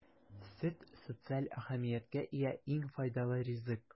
Сөт - социаль әһәмияткә ия иң файдалы ризык.